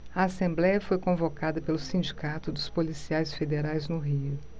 a assembléia foi convocada pelo sindicato dos policiais federais no rio